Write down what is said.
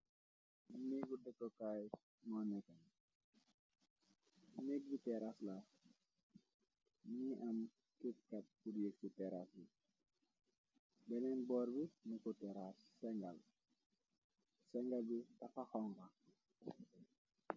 Néggu dekkokaay moo negan még bu terasla ni am kepkat bur yegsu teras yi beneen bor bi nekoterasengal sengal bu dafaxonku.